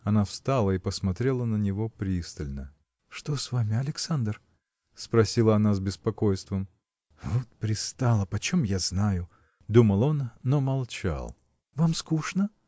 Она встала и посмотрела на него пристально. – Что с вами, Александр? – спросила она с беспокойством. Вот пристала! почем я знаю? – думал он, но молчал. – Вам скучно?